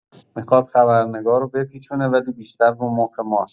میخاد خبرنگار بپیچونه ولی بیشتر رو مخ ماس